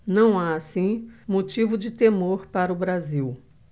não há assim motivo de temor para o brasil